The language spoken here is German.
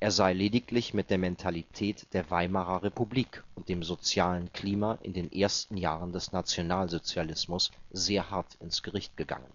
er sei lediglich mit der Mentalität der Weimarer Republik und dem sozialen Klima in den ersten Jahren des Nationalsozialismus sehr hart ins Gericht gegangen